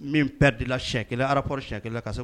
Min perdu senɲɛ 1, rapport senɲɛ 1 ka s